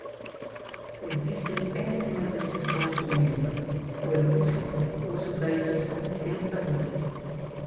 existem péssimas edições do livro por isso use o da edição pensamento